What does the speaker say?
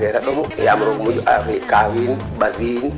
to oxu xena saaƴe pour kaa ñaktu wuuma kay kaa soɓa o ju'u